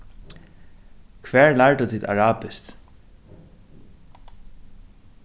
hvar lærdu tit arabiskt